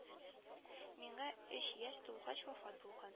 Миңа өч яшь тулгач вафат булган